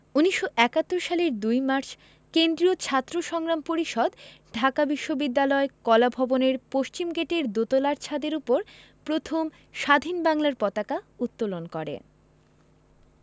১৯৭১ সালের ২ মার্চ কেন্দ্রীয় ছাত্র সংগ্রাম পরিষদ ঢাকা বিশ্ববিদ্যালয় কলাভবনের পশ্চিমগেটের দোতলার ছাদের উপর প্রথম স্বাধীন বাংলার পতাকা উত্তোলন করে